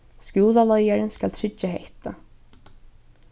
skúlaleiðarin skal tryggja hetta